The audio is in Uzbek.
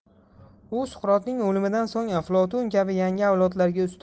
u suqrotning o'limidan so'ng aflotun kabi yangi